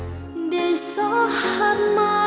để gió hát